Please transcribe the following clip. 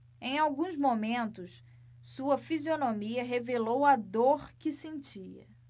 em alguns momentos sua fisionomia revelou a dor que sentia